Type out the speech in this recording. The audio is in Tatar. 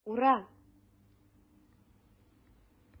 Ура!